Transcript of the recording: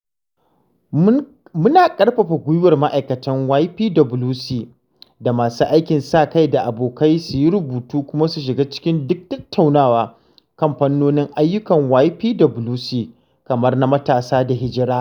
Muna karfafa gwiwar ma’aikatan YPWC da masu aikin sa-kai da abokai su yi rubutu kuma su shiga cikin duk tattaunawa kan fannonin ayyukan YPWC, kamar na matasa da hijira.